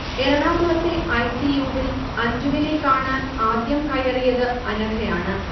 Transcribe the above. എറണാകുളത്തെ I. C. U വിൽ അഞ്ജുവിനെ കാണാൻ ആദ്യം കയറിയത് അനഘയാണ്